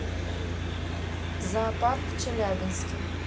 зоопарк в челябинске